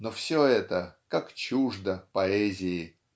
но все это как чуждо поэзии!